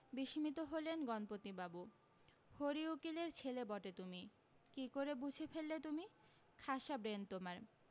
বিসমিত হলেন গণপতিবাবু হরি উকিলের ছেলে বটে তুমি কী করে বুঝে ফেললে তুমি খাসা ব্রেন তোমার